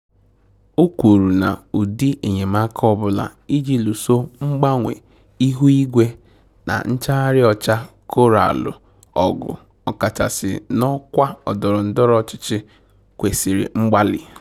O kwuru na ụdị enyemaaka ọbụla iji lụso mgbanwe ihuigwe na nchagharị ọcha Koraalụ ọgụ, ọkachasị n'ọkwa ndọrọndọrọ ọchịchị, ""kwesịrị mgbalị""